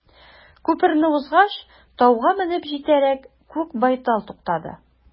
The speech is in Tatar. Күперне узгач, тауга менеп җитәрәк, күк байтал туктады.